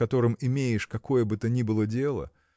с которым имеешь какое бы то ни было дело?